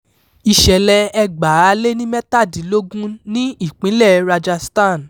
Ìṣẹ̀lẹ̀ 2017 ní ipínlẹ̀ Rajasthan.